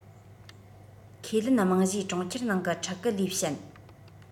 ཁས ལེན རྨང གཞིའི གྲོང ཁྱེར ནང གི ཕྲུ གུ ལས ཞན